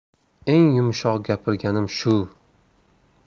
eng yumshoq gapirganim shu